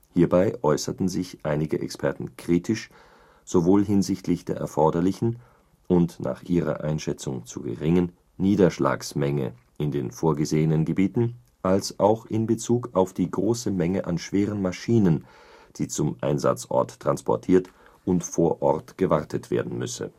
Hierbei äußerten sich einige Experten kritisch sowohl hinsichtlich der erforderlichen – und nach ihrer Einschätzung zu geringen – Niederschlagsmenge in den vorgesehenen Gebieten, als auch in Bezug auf die große Menge an schweren Maschinen, die zum Einsatzort transportiert und vor Ort gewartet werden müsse